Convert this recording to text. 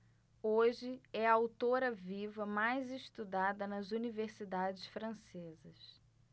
hoje é a autora viva mais estudada nas universidades francesas